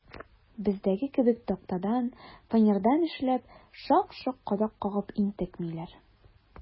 Бездәге кебек тактадан, фанерадан эшләп, шак-шок кадак кагып интекмиләр.